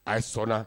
A sɔnna